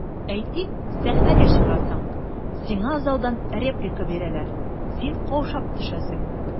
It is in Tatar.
Әйтик, сәхнәгә чыгасың, сиңа залдан реплика бирәләр, син каушап төшәсең.